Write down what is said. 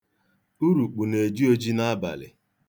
Urukpu na-eji oji n'abalị.